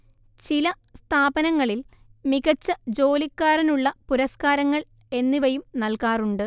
ചില സ്ഥാപനങ്ങളിൽ മികച്ച ജോലിക്കാരനുള്ള പുരസ്കാരങ്ങൾ എന്നിവയും നൽകാറുണ്ട്